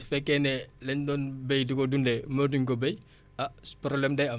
su fekkee ne lañ doon béy di ko dundee mënatuñ ko béy ah su problème day am